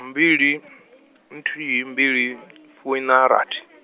mbili , nthihi mbili, fuiṋarathi.